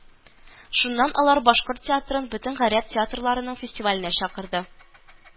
Шуннан алар башкорт театрын бөтен гарәп театрларының фестиваленә чакырды